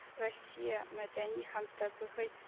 Россия мәдәни һәм табигый